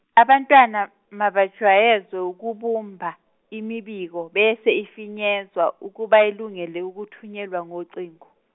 abantwana mabajwayezwe ukubumba imibiko bese ifinyezwa ukuba ilungele ukuthunyelwa ngocingo.